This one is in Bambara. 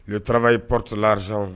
t tarawelebaa ye prtel z